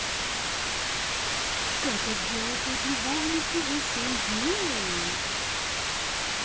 как отделаться от любовницы за семь дней